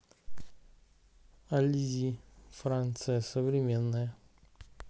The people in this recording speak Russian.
ализи франция современная